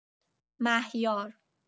مهیار